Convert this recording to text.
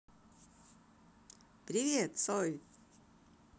привет цой